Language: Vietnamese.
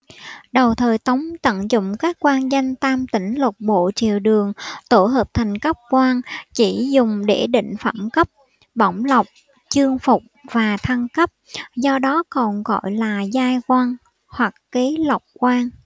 đầu thời tống tận dụng các quan danh tam tỉnh lục bộ triều đường tổ hợp thành cấp quan chỉ dùng để định phẩm cấp bổng lộc chương phục và thăng cấp do đó còn gọi là giai quan hoặc ký lộc quan